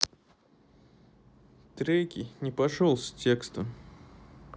треки не пошел с текстом